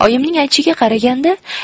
oyimning aytishiga qaraganda